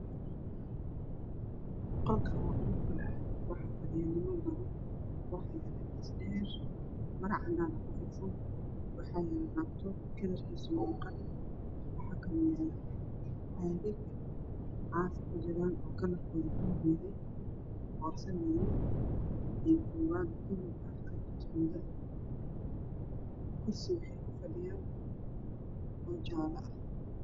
Qolkani waa qol hol ah waxaa yaha miis dheer maro cadan ayaa saran waxaa yala labtoob cadan ah iyo cagad cafiya oo bulug ah borso madow ah